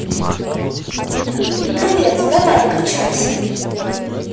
привет давай выключайся